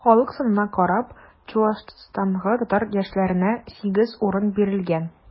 Халык санына карап, Чуашстандагы татар яшьләренә 8 урын бирелгән.